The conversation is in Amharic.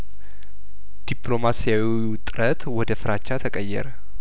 ዲፕሎማሲ ያዊው ጥረት ወደ ፍራቻ ተቀየረ